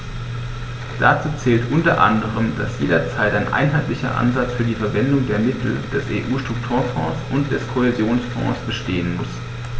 Dazu zählt u. a., dass jederzeit ein einheitlicher Ansatz für die Verwendung der Mittel der EU-Strukturfonds und des Kohäsionsfonds bestehen muss.